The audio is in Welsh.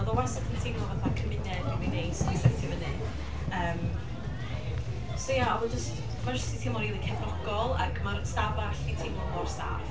Oedd o wastad yn teimlo fatha cymuned rili neis i setio fyny. Yym, so ia, oedd o jyst, mae o jyst 'di teimlo rili cefnogol, ac ma'r stafall 'di teimlo mor saff.